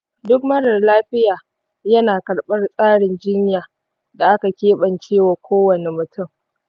duk marar lafiya yana karbar tsarin jinya da aka kebance wa kowani mutum.